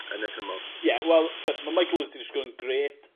yn y tymor. Ie wel t'wod ma' Micheal Woods 'di disgwyl yn grêt